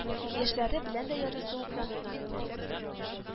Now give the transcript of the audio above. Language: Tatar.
Яшьләре белән дә ярыйсы ук якыннан